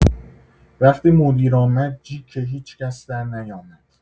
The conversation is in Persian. وقتی مدیر آمد جیک هیچکس درنیامد.